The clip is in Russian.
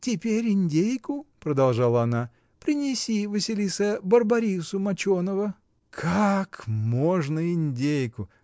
— Теперь индейку, — продолжала она, — принеси, Василиса, барбарису моченого. — Как можно индейку!